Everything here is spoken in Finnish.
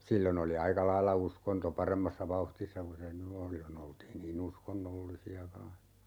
silloin oli aika lailla uskonto paremmassa vauhdissa kuin se nyt on silloin oltiin niin uskonnollisia kanssa